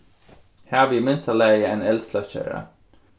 havið í minsta lagi ein eldsløkkjara